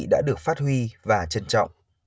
đã được phát huy và trân trọng